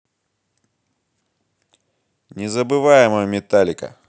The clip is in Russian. незабываемая металлика